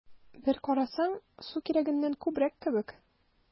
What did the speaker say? Бер карасаң, су кирәгеннән күбрәк кебек: